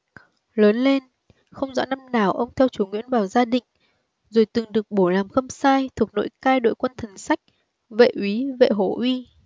lớn lên không rõ năm nào ông theo chúa nguyễn vào gia định rồi từng được bổ làm khâm sai thuộc nội cai đội quân thần sách vệ úy vệ hổ uy